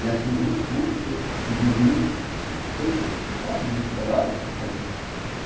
Я сижу, слушаю и дивлюсь, только не стихам Мистраля, конечно.